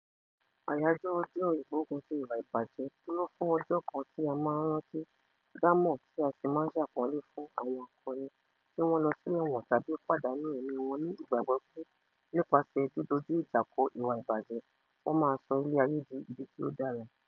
Àyájọ́ ọjọ́ ìgbógun ti ìwà ìbàjẹ́ dúró fún ọjọ́ kan tí a máa rántí, dámọ̀ tí a sì máa ṣàpọ́nlé àwọn akọni, tí wọ́n lọ sí ẹ̀wọ̀n tàbí pàdánù ẹ̀mí wọn ní ìgbàgbọ́ pé nípasẹ̀ di dojú ìjà kọ ìwà ìbàjẹ́ wọn máa sọ ilé ayé di ibi tí ó dára.